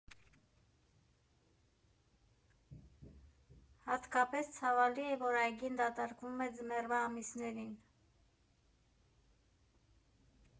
Հատկապես ցավալի է, որ այգին դատարկվում է ձմեռվա ամիսներին։